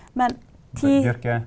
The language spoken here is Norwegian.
men .